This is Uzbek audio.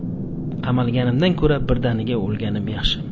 qamalganimdan ko'ra birdaniga o'lganim yaxshi